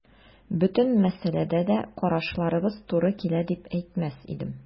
Бөтен мәсьәләдә дә карашларыбыз туры килә дип әйтмәс идем.